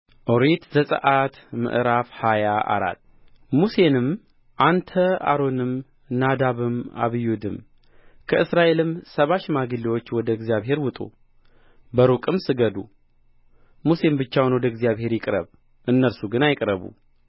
ኦሪት ዘጽአት ምዕራፍ ሃያ አራት ሙሴንም አንተ አሮንም ናዳብም አብዩድም ከእስራኤልም ሰባ ሽማግሌዎች ወደ እግዚአብሔር ውጡ በሩቁም ስገዱ ሙሴም ብቻውን ወደ እግዚአብሔር ይቅረብ እነርሱ ግን አይቅረቡ